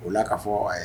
O la k kaa fɔ a ye